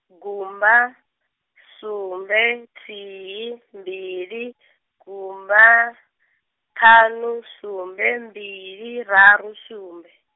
gumba, sumbe, thihi, mbili, gumba, ṱhanu sumbe mbili, raru sumbe.